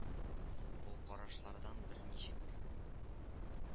Бу карашлардан берничек